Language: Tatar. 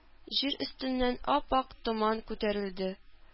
Җир өстеннән ап-ак томан күтәрелде.